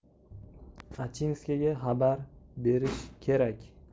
achinskaga xabar berish kerak